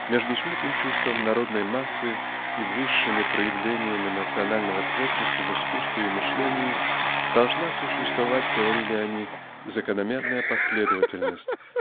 Между смутным чувством народной массы и высшими проявлениями национального творчества в искусстве и мышлении должна существовать говорили они закономерная последовательность